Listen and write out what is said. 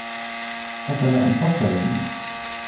hetta var ein postarenning